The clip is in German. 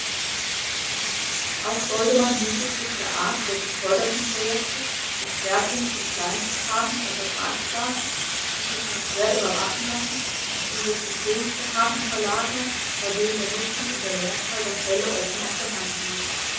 Auch sollte man hinsichtlich der Art der zu fördernden Projekte den Schwerpunkt von Kleinvorhaben auf Ertragsbasis, die sich nur schwer überwachen lassen, auf Investitionsvorhaben verlagern, bei denen der Nutzen in der Mehrzahl der Fälle offen auf der Hand liegt.